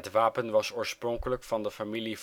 wapen was oorspronkelijk van de familie